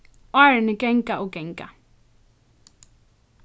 árini ganga og ganga